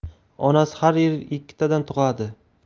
onasi har yili ikkitadan tug'adi